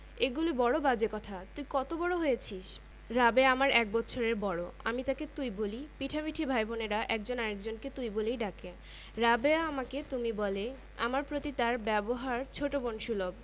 এগুলি বড় বাজে কথা তুই কত বড় হয়েছিস রাবেয়া আমার এক বৎসরের বড় আমি তাকে তুই বলি পিঠাপিঠি ভাই বোনের একজন আরেক জনকে তুই বলেই ডাকে রাবেয়া আমাকে তুমি বলে আমার প্রতি তার ব্যবহার ছোট বোন সুলভ